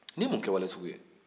nin ye mun kɛwale